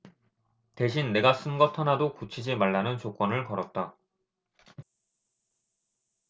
대신 내가 쓴 것 하나도 고치지 말라는 조건을 걸었다